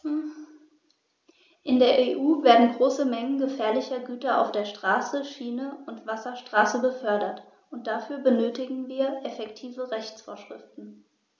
In der EU werden große Mengen gefährlicher Güter auf der Straße, Schiene und Wasserstraße befördert, und dafür benötigen wir effektive Rechtsvorschriften.